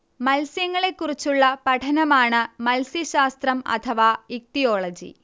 മത്സ്യങ്ങളെക്കുറിച്ചുള്ള പഠനമാണ് മത്സ്യശാസ്ത്രം അഥവാ ഇക്തിയോളജി